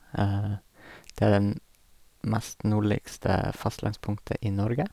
Det er den mest nordligste fastlandspunktet i Norge.